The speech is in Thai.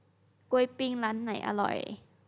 กล้วยปิ้งร้านไหนอร่อย